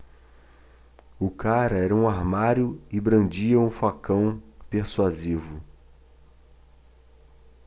o cara era um armário e brandia um facão persuasivo